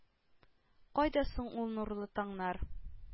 Кайда соң ул нурлы таңнар?